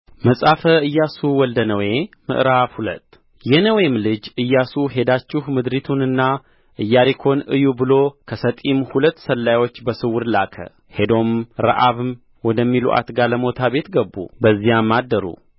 መጽሐፈ ኢያሱ ወልደ ነዌ ምዕራፍ ሁለት የነዌም ልጅ ኢያሱ ሄዳችሁ ምድሪቱንና ኢያሪኮን እዩ ብሎ ከሰጢም ሁለት ሰላዮች በስውር ላከ ሄዱም ረዓብም ወደሚሉአት ጋለሞታ ቤት ገቡ በዚያም አደሩ